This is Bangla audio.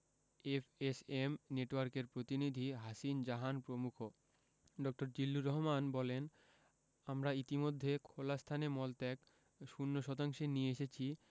এফএসএম নেটওয়ার্কের প্রতিনিধি হাসিন জাহান প্রমুখ ড. বলেন জিল্লুর রহমান আমরা ইতিমধ্যে খোলা স্থানে মলত্যাগ শূন্য শতাংশে নিয়ে এসেছি